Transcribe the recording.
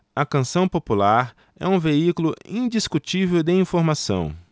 a canção popular é um veículo indiscutível de informação